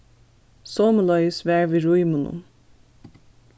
somuleiðis var við rímunum